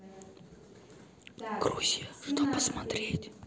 грузия что посмотреть